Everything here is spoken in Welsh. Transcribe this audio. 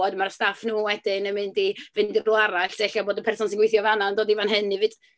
A wedyn ma'r staff nhw wedyn yn mynd i fynd i rywle arall, so ella bod y person sy'n gweithio fan'na yn dod i fan hyn i fyt-...